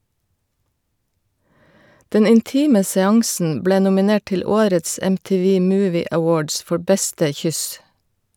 Den intime seansen ble nominert til årets MTV Movie Awards for beste kyss.